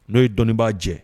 N'o ye dɔnnibaa jɛ